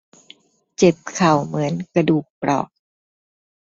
เจ็บเข่าเหมือนกระดูกเปราะ